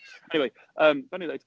Eniwe, yym be o'n i'n ddeud?